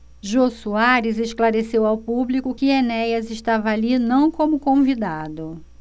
jô soares esclareceu ao público que enéas estava ali não como convidado